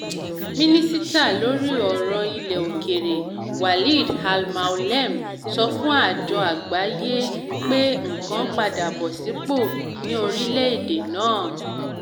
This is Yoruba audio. Mínísítà loŕi ọ̀rọ̀ ilẹ̀-òkèèrè, Walid al-Moualem, sọ fún àjọ Àgbáyé pé nǹkan padà bọ̀ sípò ní orílẹ̀-èdè náà.